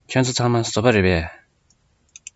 ཁྱེད ཚོ ཚང མ བཟོ པ རེད པས